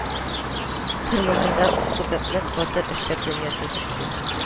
Тормышында үзе кебек нык, батыр эшләп дөнья төзеште